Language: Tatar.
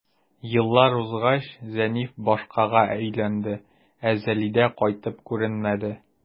Еллар узгач, Зәниф башкага өйләнде, ә Зәлидә кайтып күренмәде.